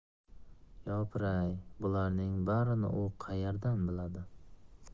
yopiray bularninng barini u qayerdan biladi